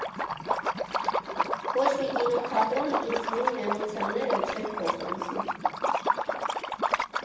Ոչ մի կինոթատրոն ինձ նույն էմոցիաները չէր փոխանցի։